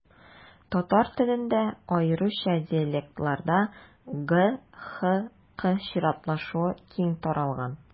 Татар телендә, аеруча диалектларда, г-х-к чиратлашуы киң таралган.